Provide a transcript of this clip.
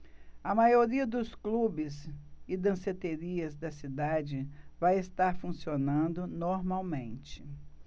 a maioria dos clubes e danceterias da cidade vai estar funcionando normalmente